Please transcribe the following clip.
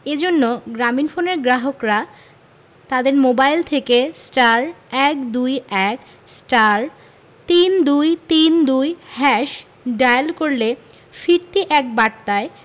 এ জন্য গ্রামীণফোনের গ্রাহকরা তাদের মোবাইল থেকে *১২১*৩২৩২# ডায়াল করলে ফিরতি এক বার্তায়